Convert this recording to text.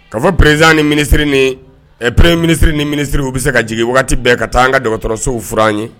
Ka fɔ président ni ministre ni ɛ premier ministre ni ministre u bɛ se ka jigin waati bɛɛ ka taa an ka dɔgɔtɔrɔsow furan an ye.